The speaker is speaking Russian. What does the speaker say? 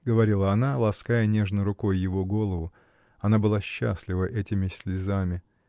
— говорила она, лаская нежно рукой его голову: она была счастлива этими слезами.